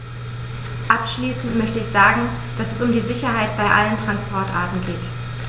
Abschließend möchte ich sagen, dass es um die Sicherheit bei allen Transportarten geht.